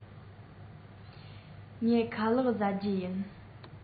ང ཁ ལགས བཟའ རྒྱུ ཡིན